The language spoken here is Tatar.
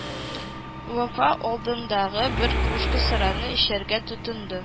Вафа алдындагы бер кружка сыраны эчәргә тотынды